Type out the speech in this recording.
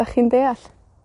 'Dach chi'n deall?